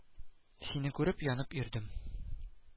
Сине күреп янып йөрдем